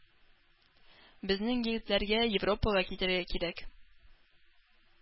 Безнең егетләргә Европага китәргә кирәк.